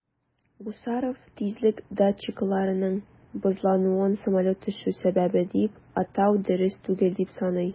Гусаров тизлек датчикларының бозлануын самолет төшү сәбәбе дип атау дөрес түгел дип саный.